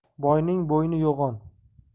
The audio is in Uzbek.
boyning bo'yni yo'g'on